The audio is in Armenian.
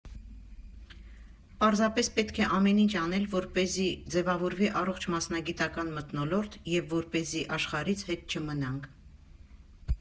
Պարզապես պետք է ամեն ինչ անել, որպեսզի ձևավորվի առողջ մասնագիտական մթնոլորտ և որպեսզի աշխարհից հետ չմնանք։